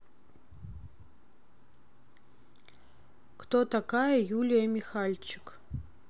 кто такая юлия михальчик